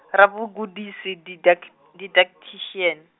ravhugudisi didac- , Didactician.